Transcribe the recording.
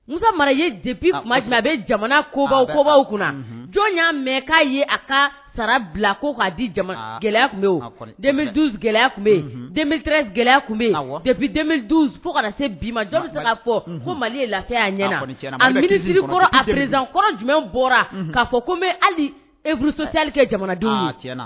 Musa mara ye dep a bɛ jamana kobaww kobaw kunna jɔn y'a mɛn k'a ye a ka sara bila ko k'a di gɛlɛya tun bɛ gɛlɛya tun bɛ yen gɛlɛya tun bɛ yen fo se bi ma fɔ maliyaɲɛna akɔrɔ jumɛn bɔra k'a fɔ ko bɛ hali euruli kɛ jamana tiɲɛna na